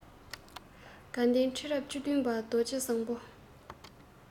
དགའ ལྡན ཁྲི རབས བཅུ བདུན པ རྡོ རྗེ བཟང པོ